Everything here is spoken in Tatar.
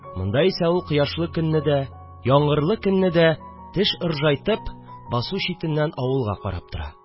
Монда исә ул кояшлы көнне дә, яңгырлы көнне дә теш ыржайтып басу читеннән авылга карап тора